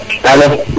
alo